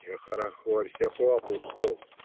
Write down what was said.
- Не хорохорься попусту.